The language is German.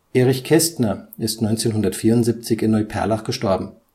Erich Kästner ist 1974 in Neuperlach gestorben